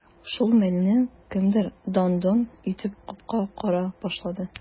Шул мәлне кемдер даң-доң итеп капка кага башлады.